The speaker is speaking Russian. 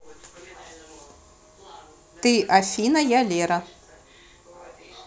ты афина я лера